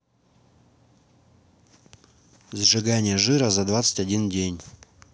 сжигание жира за двадцать один день